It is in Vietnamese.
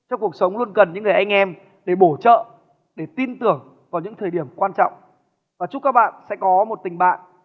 trong cuộc sống luôn cần những người anh em để bổ trợ để tin tưởng vào những thời điểm quan trọng và chúc các bạn sẽ có một tình bạn